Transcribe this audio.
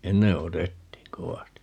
ennen otettiin kovasti